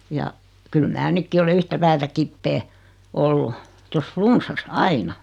ja kyllä minä nytkin olen yhtä päätä kipeä ollut tuossa flunssassa aina